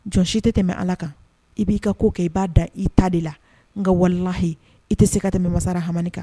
Jɔn si tɛ tɛmɛ ala kan i b'i ka ko kɛ i b'a da i ta de la n ka walelayi i tɛ se ka tɛmɛ masasara hamani kan